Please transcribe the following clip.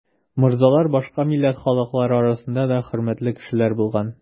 Морзалар башка милләт халыклары арасында да хөрмәтле кешеләр булган.